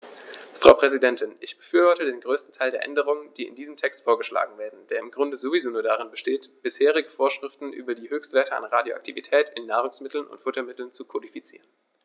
Frau Präsidentin, ich befürworte den größten Teil der Änderungen, die in diesem Text vorgeschlagen werden, der im Grunde sowieso nur darin besteht, bisherige Vorschriften über die Höchstwerte an Radioaktivität in Nahrungsmitteln und Futtermitteln zu kodifizieren.